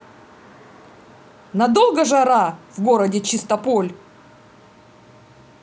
на долго жара в городе чистополь